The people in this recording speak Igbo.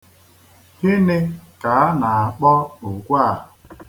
Gịnị ka a na-akpọ okwe a?